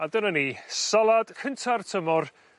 A dyna ni, salad cynta'r tymor